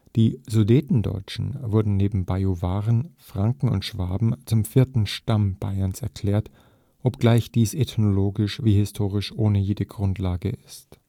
Die Sudetendeutschen wurden neben Bajuwaren, Franken und Schwaben zum vierten „ Stamm “Bayerns erklärt, obgleich dies ethnologisch wie historisch ohne jede Grundlage ist